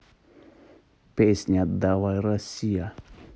песня давай россия